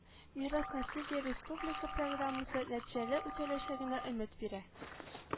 Мирас-наследие республика программасы нәтиҗәле үтәләчәгенә өмет бирә